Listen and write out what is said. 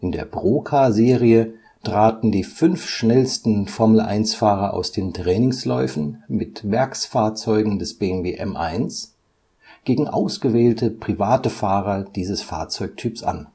der Procar-Serie traten die fünf schnellsten Formel-1-Fahrer aus den Trainingsläufen mit Werksfahrzeugen des BMW M1 gegen ausgewählte private Fahrer dieses Fahrzeugtyps an